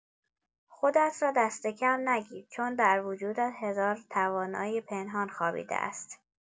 خودت را دست‌کم نگیر چون در وجودت هزار توانایی پنهان خوابیده است.